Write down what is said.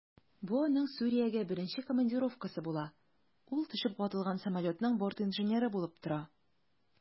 Бу аның Сүриягә беренче командировкасы була, ул төшеп ватылган самолетның бортинженеры булып тора.